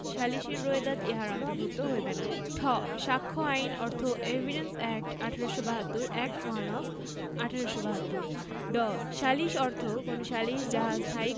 সালিসী রোয়েদাদ ইহার অন্তর্ভুক্ত হইবে না ঠ সাক্ষ্য আইন অর্থ evidence act. ১৮৭২ act one of ১৮৭২ ড সালিস অর্থ কোন সালিস যাহা স্থায়ী